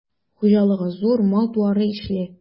Хуҗалыгы зур, мал-туары ишле.